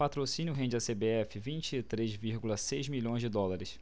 patrocínio rende à cbf vinte e três vírgula seis milhões de dólares